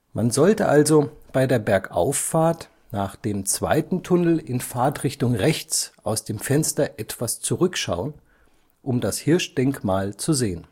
Man sollte also bei der Bergauffahrt nach dem zweiten Tunnel in Fahrtrichtung rechts aus dem Fenster etwas zurück schauen, um das Hirschdenkmal zu sehen